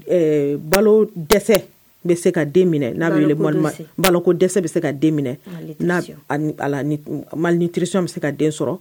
Balo dɛsɛ bɛ se ka den minɛ n'a bɛ baloko dɛsɛ bɛ se ka den minɛ mali ni kirisi bɛ se ka den sɔrɔ